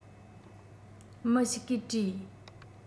མི ཞིག གིས དྲིས